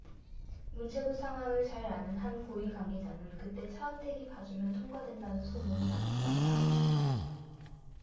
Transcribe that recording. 문체부 상황을 잘 아는 한 고위 관계자는 그때 차은택이 봐주면 통과된다는 소문이 막 돌았다